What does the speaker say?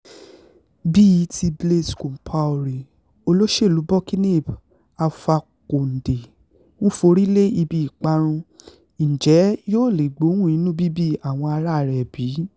Bíi ti Blaise Compaoré [olóṣèlúu Burkinabé] Alpha Condé ń forí lé ibi ìparun, ǹjẹ́ yó leè gbóhùn inúbíbí àwọn aráa rẹ̀ bí?